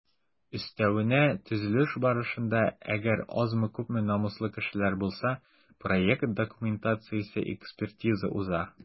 Өстәвенә, төзелеш барышында - әгәр азмы-күпме намуслы кешеләр булса - проект документациясе экспертиза уза.